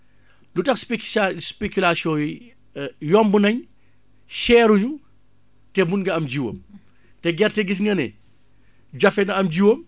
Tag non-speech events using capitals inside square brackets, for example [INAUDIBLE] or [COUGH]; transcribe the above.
lu tax spéculations yi [HESITATION] yomb nañ cher ru ñu te mën nga am jiwam te gerte gi gis nga ne jafe na am jiwam